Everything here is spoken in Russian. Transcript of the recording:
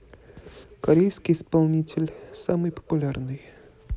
корейский исполнитель самый популярный